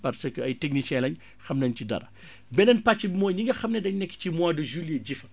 parce que ay techniciens lañ xam nañ ci dara beneen pàcc mooy ñi nga xam ne dañ nekk ci mois de juillet ji fa